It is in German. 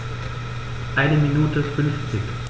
Eine Minute 50